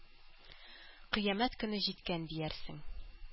Кыямәт көне җиткән диярсең.